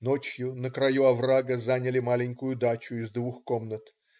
Ночью, на краю оврага заняли маленькую дачу из двух комнат.